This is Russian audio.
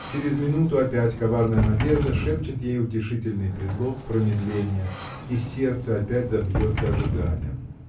Через минуту опять коварная надежда шепчет ей утешительный предлог промедления – и сердце опять забьется ожиданием.